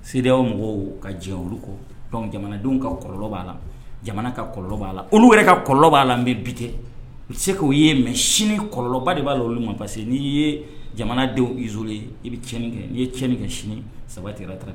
CEDEAO mɔgɔw ka jɛn olu kɔ, donc jamanadenw ka kɔlɔlɔ b'a la, jamana ka kɔlɔlɔ b'a la, olu yɛrɛ ka kɔlɔlɔ b'a la mais bi tɛ. U tɛ se k'u ye mais sini kɔlɔlɔba de b'a la olu ma. Parce que n'i ye jamanadenw isoler i bɛ cɛnni kɛ, n'i ye kɛ, sini ça va te rattra